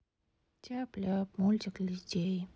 тяп ляп мультик для детей